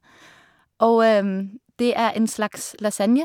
Og det er en slags lasagne.